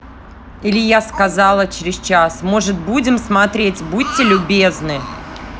или я сказала через час может будем смотреть будьте любезны